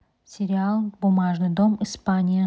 сериал бумажный дом испания